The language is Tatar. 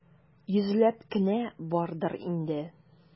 Йөзләп кенә бардыр инде.